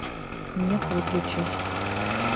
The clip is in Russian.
нет выключись